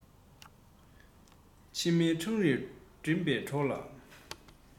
ཕྱི མའི འཕྲང རིང འགྲིམ པའི གྲོགས ལ